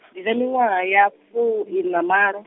ndi na miṅwaha ya fuiṋa malo.